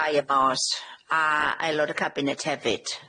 Ma'na ddau yma a aelod y cabinet hefyd.